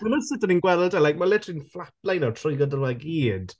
Ma' like sut 'da ni'n gweld e like ma' literally fflatleino trwy gydol o i gyd.